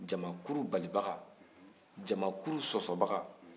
jamakuru balibaga jamakuru sɔsɔbaga